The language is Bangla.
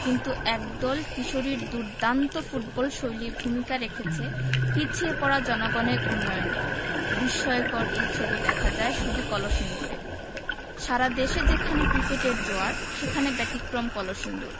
কিন্তু একদল কিশোরীর দুর্দান্ত ফুটবলশৈলী ভূমিকা রাখছে পিছিয়ে পড়া জনপদের উন্নয়নে বিস্ময়কর এই ছবি দেখা যায় শুধু কলসিন্দুরে সারা দেশে যেখানে ক্রিকেটের জোয়ার সেখানে ব্যতিক্রম কলসিন্দুর